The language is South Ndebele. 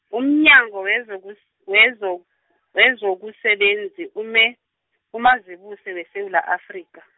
umnyango wezokus- wezo- wezokusebenza ume- uMazibuse weSewula Afrika.